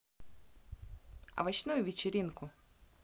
овощную вечеринку